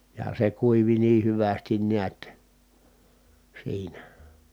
ja se kuivui niin hyvästi näet siinä